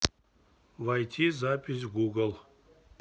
войти запись в google